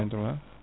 3